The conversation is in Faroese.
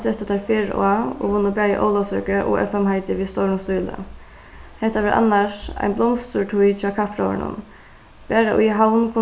settu teir ferð á og vunnu bæði ólavsøku- og fm-heitið við stórum stíli hetta var annars ein blomsturtíð hjá kappróðrinum bara í havn